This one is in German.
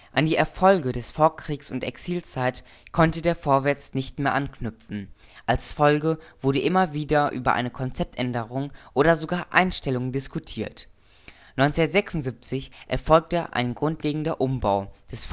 An die Erfolge der Vorkriegs - und Exilzeit konnte der Vorwärts nicht mehr anknüpfen. Als Folge wurde immer wieder über eine Konzeptänderung oder sogar Einstellung diskutiert. 1976 erfolgte ein grundlegender Umbau des